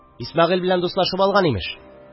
. исмәгыйль белән дуслашып алган имеш.